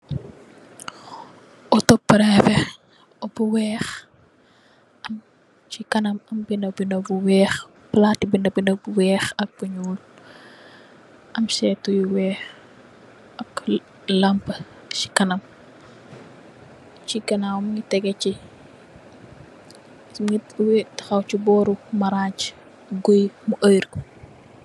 Auto priveh bu weex, chi kanam am palaati binda binda yu weex, ak bu ñuul, am seetu yu weex, ak lampa si kanam.